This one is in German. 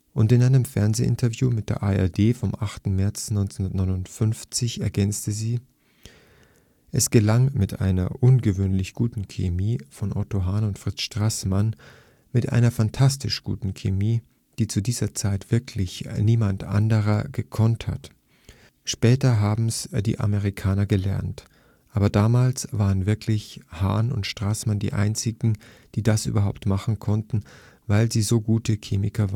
Und in einem Fernsehinterview (ARD, 8. März 1959) ergänzte sie: „ Es gelang mit einer ungewöhnlich guten Chemie von Otto Hahn und Fritz Strassmann, mit einer phantastisch guten Chemie, die zu dieser Zeit wirklich niemand anderer gekonnt hat. Später haben 's die Amerikaner gelernt. Aber damals waren wirklich Hahn und Strassmann die einzigen, die das überhaupt machen konnten, weil sie so gute Chemiker